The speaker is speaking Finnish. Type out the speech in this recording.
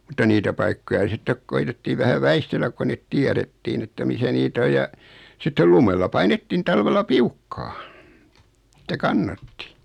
mutta niitä paikkoja sitten koetettiin vähän väistellä kun ne tiedettiin että missä niitä on ja sitten lumella painettiin talvella piukkaan että kannatti